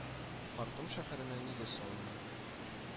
Хартум шәһәренә нигез салына